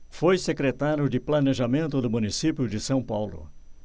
foi secretário de planejamento do município de são paulo